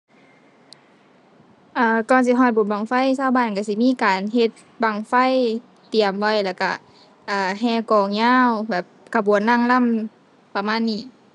อ่า ก่อนสิฮอดบุญบั้งไฟ ชาวบ้านชาวสิมีการเฮ็ดบั้งไฟเตรียมไว้ แล้วชาว อ่า แห่กลองยาว แบบขบวนนางรำ ประมาณนี้